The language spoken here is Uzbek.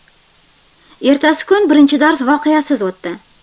ertasi kun birinchi dars voqeasiz o'tdi